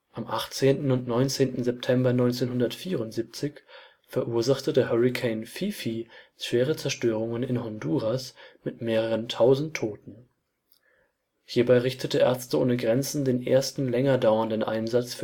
18. und 19. September 1974 verursachte der Hurrikan Fifi schwere Zerstörungen in Honduras mit mehreren Tausend Toten. Hierbei richtete Ärzte ohne Grenzen den ersten länger dauernden Einsatz